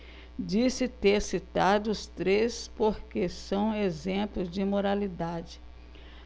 disse ter citado os três porque são exemplos de moralidade